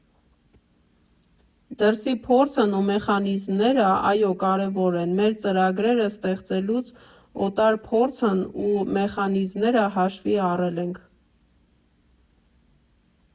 Դրսի փորձն ու մեխանիզմները, այո, կարևոր են, մեր ծրագրերը ստեղծելուց օտար փորձն ու մեխանիզմները հաշվի առել ենք։